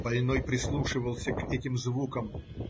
Больной прислушивался к этим звукам.